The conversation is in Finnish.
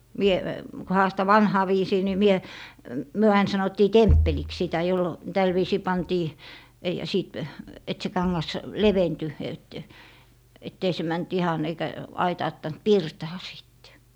minä kun haastan vanhaan viisiin niin minä me aina sanottiin temppeliksi sitä - tällä viisiin pantiin ja - että se kangas leventyi että että ei se mennyt ihan eikä aitauttanut pirtaa sitten